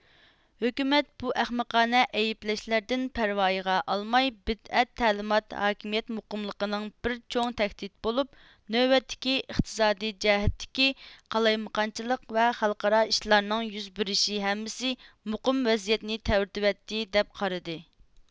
ھۆكۈمەت بۇ ئەخمىقانە ئەيىبلەشلەردىن پەرۋايىغا ئالماي بىدئەت تەلىمات ھاكىمىيەت مۇقىملىقىنىڭ بىر چوڭ تەھدىت بولۇپ نۆۋەتتىكى ئىقتىسادىي جەھەتتىكى قالايمىقانچىلىق ۋە خەلقئارا ئىشلارنىڭ يۈز بېرىشى ھەممىسى مۇقىم ۋەزىيەتنى تەۋرىتىۋەتتى دەپ قارىدى